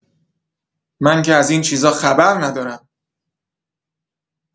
من که از این چیزا خبر ندارم.